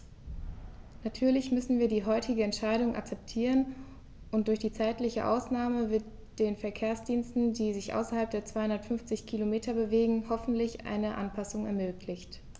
Natürlich müssen wir die heutige Entscheidung akzeptieren, und durch die zeitliche Ausnahme wird den Verkehrsdiensten, die sich außerhalb der 250 Kilometer bewegen, hoffentlich eine Anpassung ermöglicht.